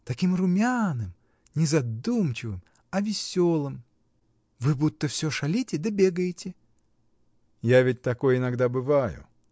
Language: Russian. — Таким румяным, не задумчивым, а веселым; вы будто всё шалите да бегаете. — Я ведь такой иногда бываю.